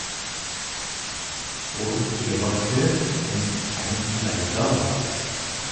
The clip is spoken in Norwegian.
Og i kebabkø ein sein laurdag.